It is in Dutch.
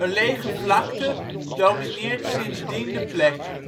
lege vlakte domineert sindsdien de plek